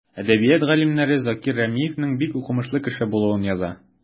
Әдәбият галимнәре Закир Рәмиевнең бик укымышлы кеше булуын яза.